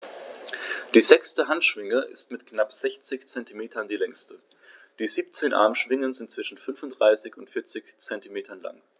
Die sechste Handschwinge ist mit knapp 60 cm die längste. Die 17 Armschwingen sind zwischen 35 und 40 cm lang.